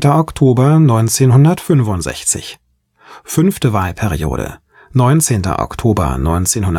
Oktober 1965 5. Wahlperiode: 19. Oktober 1965 – 19.